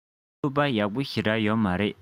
སྤྱོད པ ཡག པོ ཞེ དྲགས ཡོད མ རེད